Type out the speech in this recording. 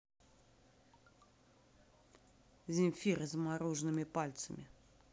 земфира замороженными пальцами